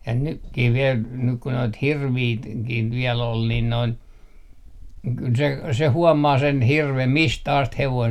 ja nytkin vielä nyt kun noita hirviä - hirviäkin vielä oli niin noin kyllä se se huomaa sen hirven mistä asti hevonen